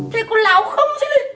thế có láo không chứ